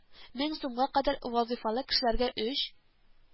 Мең сумга кадәр; вазыйфалы кешеләргә өч